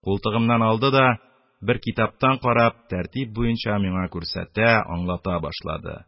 Култыгымнан алды да, бер китаптан карап, тәртип буенча, миңа күрсәтә, аңлата башлады...